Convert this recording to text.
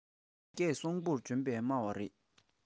རང སྐད སྲོང པོར བརྗོད པའི སྨྲ བ མེད